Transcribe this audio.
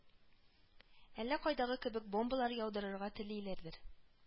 Әллә кайдагы кебек бомбалар яудырырга телиләрдер